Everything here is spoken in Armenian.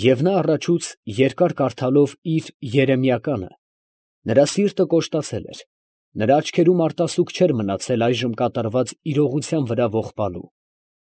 Եվ նա առաջուց երկար կարդալով իր երեմիականը, նրա սիրտը կոշտացել էր, նրա աչքերում արտասուք չէր մնացել այժմ կատարված իրողության վրա ողբալու։